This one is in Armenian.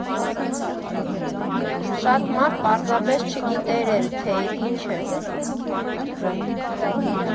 Շատ մարդ պարզապես չգիտեր էլ, թե էդ ինչ է։